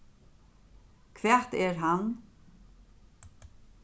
hvat er hann